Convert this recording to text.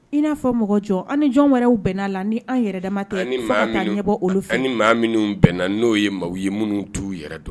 I n'a fɔ mɔgɔ jɔ an jɔn wɛrɛw bɛɛna la ni an yɛrɛ damama kɛ maa ɲɛ bɔ olu fɛ ani maa minnu bɛnna n'o ye maa ye minnu t'u yɛrɛ don